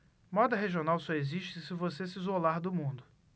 moda regional só existe se você se isolar do mundo